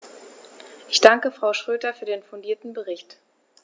Ich danke Frau Schroedter für den fundierten Bericht.